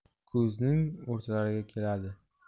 kuzning o'rtalariga keladi